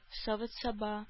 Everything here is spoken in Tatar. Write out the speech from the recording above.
Савыт-саба